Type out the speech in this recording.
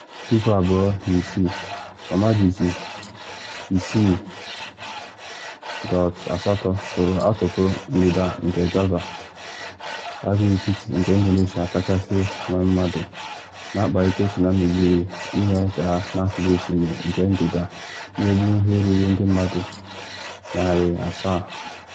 2006: Ọmajiji 6.8 kụrụ akụkụ ndịda nke Java, agwaetiti nke Indonesia kachasị nwee mmadụ, na akpalite tsunami jiri iwe daa na akụkụ osimiri nke ndịda, na egbu ihe ruru ndị mmadụ 700.